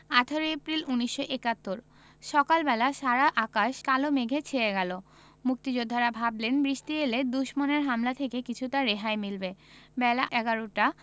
১৮ April ১৯৭১ সকাল বেলা সারা আকাশ কালো মেঘে ছেয়ে গেল মুক্তিযোদ্ধারা ভাবলেন বৃষ্টি এলে দুশমনের হামলা থেকে কিছুটা রেহাই মিলবে বেলা এগারোটা